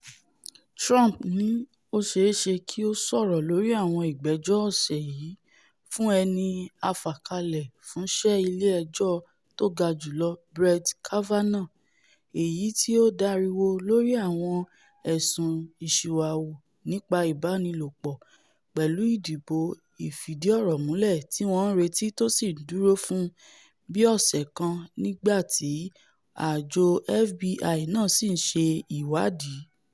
Trump ni ó ṣeé ṣ̵e kí ó sọ̀rọ̀ lórí àwọn ìgbẹ́jọ́ ọ̀sẹ̀ yìí fún ẹni-a-fàkalẹ̀-fúnṣẹ́ Ilé Ẹjọ́ Tógajùlọ Brett Kavanaugh, èyití o dariwo lórí àwọn ẹ̀sùn ìsìwàhu nípa ìbánilòpọ̀ pẹ̀lú ìdìbò ìfìdíọ̀rọ̀múlẹ̀ tíwọn ńretí tó sì ńdúró fún bí ọ̀sẹ̀ kan nígbà tí àjọ FBI náà sì ńṣe ìwáàdí.